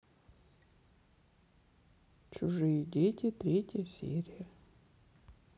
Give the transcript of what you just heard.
чужие дети третья серия